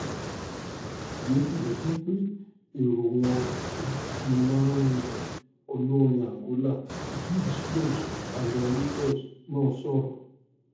Bíótilẹ̀jẹ́pé èrò wọn ò tí ì máa rinlẹ̀, Olórin Angola, Gill Slows Allen Russell náà sọ̀rọ̀;